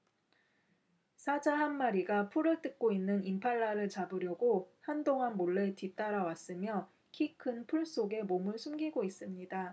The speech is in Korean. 사자 한 마리가 풀을 뜯고 있는 임팔라를 잡으려고 한동안 몰래 뒤따라왔으며 키 큰 풀 속에 몸을 숨기고 있습니다